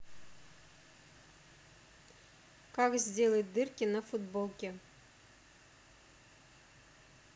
как сделать дырки на футболке